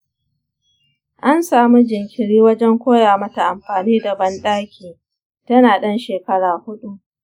an samu jinkiri wajen koya mata amfani da banɗaki tana ɗan shekara huɗu.